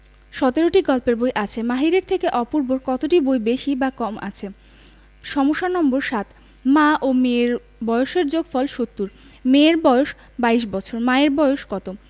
১৭টি গল্পের বই আছে মাহিরের থেকে অপূর্বর কয়টি বই বেশি বা কম আছে সমস্যা নম্বর ৭ মা ও মেয়ের বয়সের যোগফল ৭০ মেয়ের বয়স ২২ বছর মায়ের বয়স কত